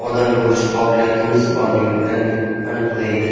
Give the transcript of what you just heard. odam bo'lish qobiliyatimiz borligini aniqlaydi